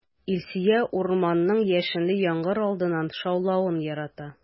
Илсөя урманның яшенле яңгыр алдыннан шаулавын ярата.